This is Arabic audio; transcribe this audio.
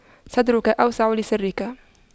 صدرك أوسع لسرك